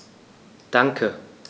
Danke.